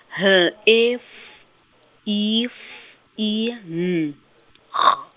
L E F I F I N G.